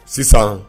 Sisan